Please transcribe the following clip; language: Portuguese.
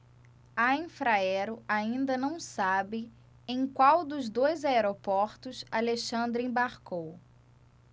a infraero ainda não sabe em qual dos dois aeroportos alexandre embarcou